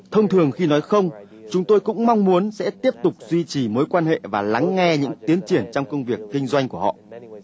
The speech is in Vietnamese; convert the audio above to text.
thông thường khi nói không chúng tôi cũng mong muốn sẽ tiếp tục duy trì mối quan hệ và lắng nghe những tiến triển trong công việc kinh doanh của họ